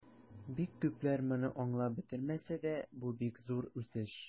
Бик күпләр моны аңлап бетермәсә дә, бу бик зур үсеш.